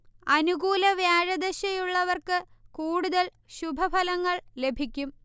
അനുകൂല വ്യാഴദശ ഉള്ളവർക്ക് കൂടുതൽ ശുഭഫലങ്ങൾ ലഭിക്കും